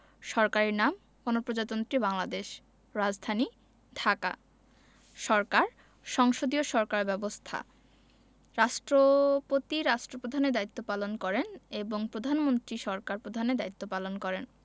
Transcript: সরকারি নামঃ গণপ্রজাতন্ত্রী বাংলাদেশ রাজধানীঃ ঢাকা সরকারঃ সংসদীয় সরকার ব্যবস্থা রাষ্ট্রপতি রাষ্ট্রপ্রধানের দায়িত্ব পালন করেন এবং প্রধানমন্ত্রী সরকার প্রধানের দায়িত্ব পালন করেন